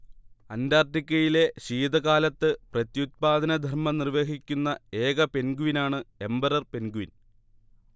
അന്റാർട്ടിക്കയിലെ ശീതകാലത്ത് പ്രത്യുത്പാദനധർമ്മം നിർവഹിക്കുന്ന ഏക പെൻഗ്വിനാണ് എമ്പറർ പെൻഗ്വിൻ